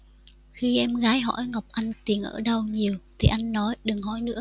khi em gái hỏi ngọc anh tiền ở đâu nhiều thì anh nói đừng hỏi nữa